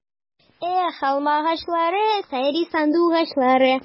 Эх, алмагачлары, сайрый сандугачлары!